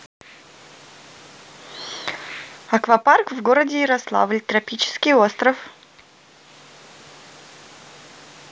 аквапарк в городе ярославль тропический остров